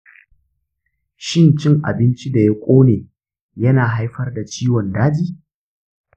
shin cin abincin da ya ƙone yana haifar da ciwon daji?